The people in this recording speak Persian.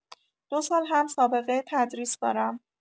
۲ سال هم سابقه تدریس دارم.